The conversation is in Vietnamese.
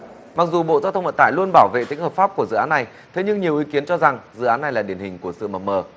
mặc dù bộ giao thông vận tải luôn bảo vệ tính hợp pháp của dự án này thế nhưng nhiều ý kiến cho rằng dự án này là điển hình của sự mập mờ